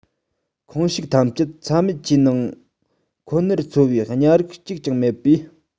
ཁོངས ཞུགས ཐམས ཅད ཚྭ མེད ཆུའི ནང ཁོ ནར འཚོ བའི ཉ རིགས གཅིག ཀྱང མེད པས